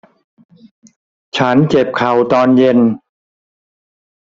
ฉันเจ็บเข่าตอนเย็น